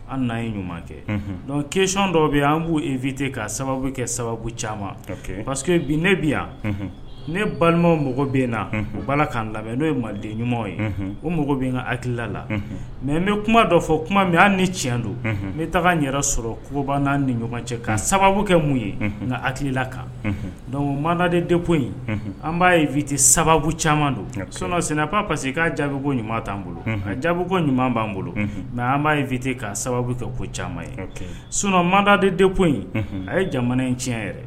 An'an ye ɲuman kɛ dɔn keyon dɔ bɛ an b'u e vite k kaa sababu kɛ sababu caman paseke bi ne bi yan ne balimaw mɔgɔ bɛ yen na u b' la k'an lamɛn n'o ye manden ɲuman ye o mɔgɔ bɛ ka hakilikilala mɛ n bɛ kuma dɔ fɔ kuma min an ni tiɲɛ don ne taga yɛrɛ sɔrɔ koba n'an ni ɲɔgɔn cɛ ka sababu kɛ mun ye nka hakilila kan dɔnku maden dep in an b'a ye vite sababu caman don so sinana pa parce que k'a jaabiko ɲuman t'an bolo a jako ɲuman b'an bolo mɛ an b'a vite k'a sababu kɛ ko caman ye sun manda de dop a ye jamana in tiɲɛ yɛrɛ